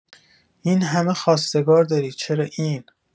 این همه خواستگار داری، چرا این؟